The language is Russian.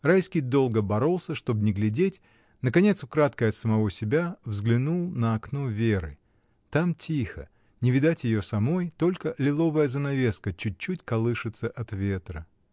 Райский долго боролся, чтоб не глядеть, наконец украдкой от самого себя взглянул на окно Веры: там тихо, не видать ее самой, только лиловая занавеска чуть-чуть колышется от ветра.